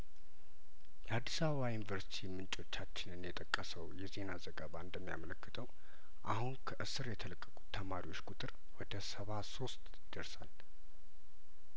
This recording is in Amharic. የአዲስ አበባ ዩኒቨርስቲ ምንጮቻችንን የጠቀሰው የዜና ዘገባ እንደሚያመለክተው አሁን ከእስር የተለቀቁት ተማሪዎች ቁጥር ወደ ሰባ ሶስት ይደርሳል